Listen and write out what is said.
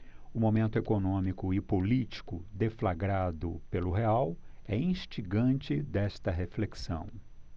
o momento econômico e político deflagrado pelo real é instigante desta reflexão